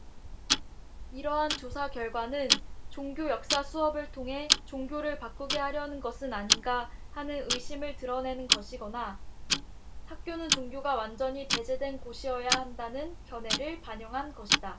이러한 조사 결과는 종교 역사 수업을 통해 종교를 바꾸게 하려는 것은 아닌가 하는 의심을 드러내는 것이거나 학교는 종교가 완전히 배제된 곳이어야 한다는 견해를 반영하는 것이다